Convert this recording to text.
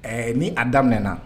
Ɛɛ ni a daminɛ na